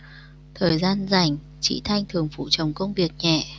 thời gian rảnh chị thanh thường phụ chồng công việc nhẹ